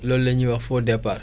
loolu la ñuy wax faux départ